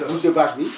bouse de vache bi